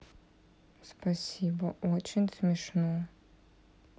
спасибо очень смешно